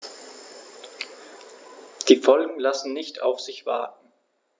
Die Folgen lassen nicht auf sich warten.